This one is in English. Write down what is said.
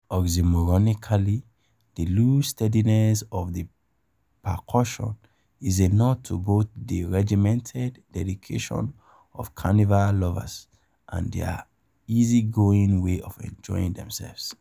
Oxymoronically, the loose steadiness of the percussion is a nod to both the regimented dedication of Carnival lovers and their easygoing way of enjoying themselves.